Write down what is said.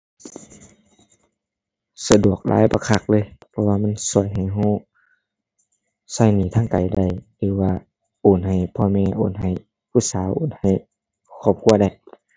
สะดวกหลายบักคักเลย เพราะว่ามันช่วยให้ช่วยช่วยหนี้ทางไกลได้ หรือว่าโอนให้พ่อแม่ โอนให้ผู้สาว โอนให้ครอบครัวได้